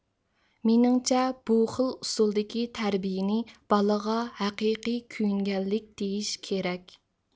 مېنىڭچە بۇ خىل ئۇسۇلدىكى تەربىيىنى بالىغا ھەقىقىي كۆيۈنگەنلىك دېيىش كېرەك